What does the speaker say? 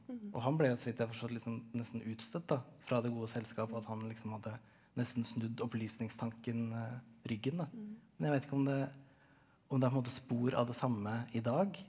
og han ble jo så vidt jeg har forstått litt sånn nesten utstøtt da fra det gode selskap at han liksom hadde nesten snudd opplysningstanken ryggen da men jeg vet ikke om det om det er på en måte spor av det samme i dag.